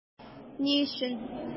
Ни өчен?